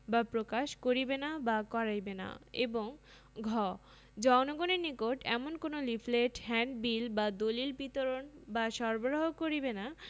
বা প্রকাশ করিবে না বা করাইবে না এবং ঘ জনগণের নিকট এমন কোন লিফলেট হ্যান্ডবিল বা দলিল বিতরণ বা সরবরাহ করিবেনা